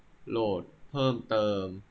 โหลดเพิ่มเติม